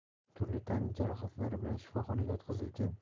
turli tan jarohatlari bilan shifoxonaga yotqizilgan